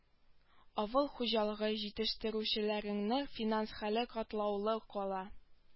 Авыл хуҗалыгы җитештерүчеләренең финанс хәле катлаулы кала